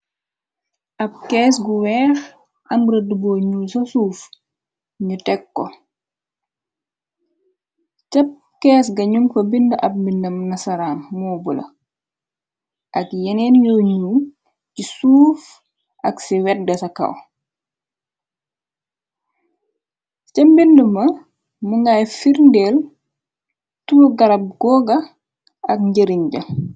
Ab kees gu weex am rëddi booy ñyul sa suuf ñu teg ko cab kees gañum fa bind ab mbindm nasaraam moo bula ak yeneen yoo ñu ci suuf ak ci wedd ga ca kaw ca mbindima mu ngay firndeel tu-garab googa ak njëriñ ja.